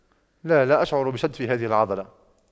لا لا اشعر بشد في هذه العضلة